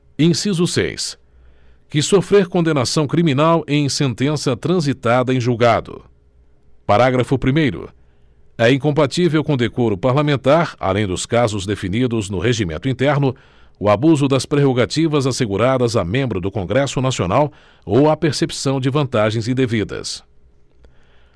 inciso seis que sofrer condenação criminal em sentença transitada em julgado parágrafo primeiro é incompatível com o decoro parlamentar além dos casos definidos no regimento interno o abuso das prerrogativas asseguradas a membro do congresso nacional ou a percepção de vantagens indevidas